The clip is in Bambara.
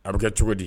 A bɛ kɛ cogo di